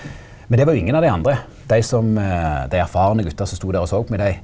men det var jo ingen av dei andre dei som dei erfarne gutane som sto der og såg på meg, dei.